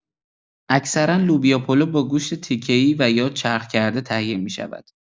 اکثرا لوبیا پلو با گوشت تکه‌ای و یا چرخ کرده تهیه می‌شود.